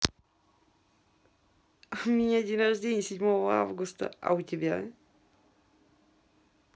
у меня день рождения седьмого августа а у тебя